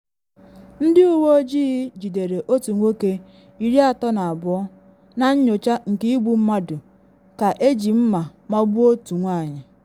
Ndị uwe ojii jidere otu nwoke, 32, na nnyocha nke igbu mmadụ ka eji mma magbuo otu nwanyị